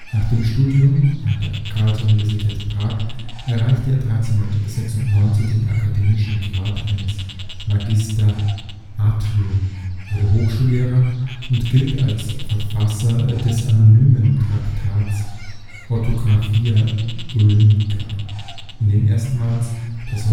Nach dem Studium an der Karls-Universität Prag erlangte er 1396 den akademischen Grad eines Magister Artium, wurde Hochschullehrer und gilt als Verfasser des anonymen Traktats Orthographia Bohemica, in dem erstmals das